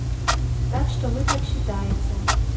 рад что вы так считаете